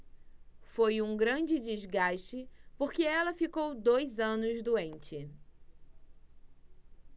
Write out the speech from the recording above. foi um grande desgaste porque ela ficou dois anos doente